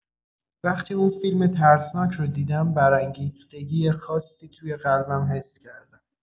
وقتی اون فیلم ترسناک رو دیدم، برانگیختگی خاصی توی قلبم حس کردم.